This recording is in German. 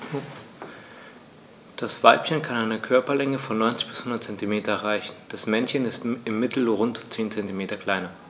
Das Weibchen kann eine Körperlänge von 90-100 cm erreichen; das Männchen ist im Mittel rund 10 cm kleiner.